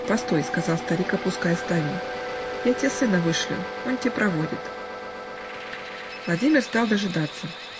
-- "Постой, -- сказал старик, опуская ставень, -- я те сына вышлю он те проводит". Владимир стал дожидаться.